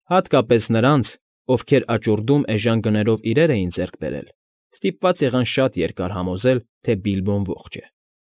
Հատկապես նրանց, ովքեր աճուրդում էժան գներով իրեր էին ձեռք բերել, ստիպված եղան շատ երկար համոզել, թե Բիլբոն ողջ է։